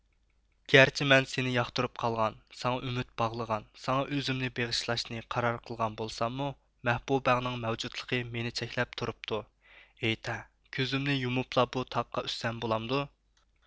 گەرچە مەن سېنى ياقتۇرۇپ قالغان ساڭا ئۈمۈد باغلىغان ساڭا ئۆزۈمنى بېغىشلاشنى قارار قىلغان بولساممۇ مەھبۇبەڭنىڭ مەۋجۇتلۇقى مېنى چەكلەپ تۇرۇپتۇ ئېيتە كۆزۈمنى يۇمۇپلا بۇ تاغقا ئۈسسەم بولامدۇ